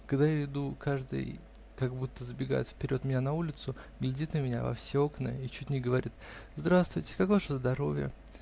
Когда я иду, каждый как будто забегает вперед меня на улицу, глядит на меня во все окна и чуть не говорит: "Здравствуйте как ваше здоровье?